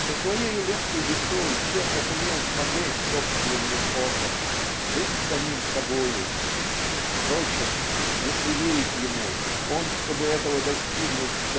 Со своею легкой душой Чехов умел смотреть собственным оком быть самим собою. Впрочем если верить ему он чтобы этого достигнуть